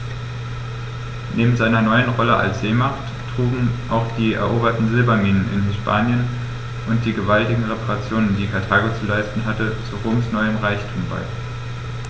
Neben seiner neuen Rolle als Seemacht trugen auch die eroberten Silberminen in Hispanien und die gewaltigen Reparationen, die Karthago zu leisten hatte, zu Roms neuem Reichtum bei.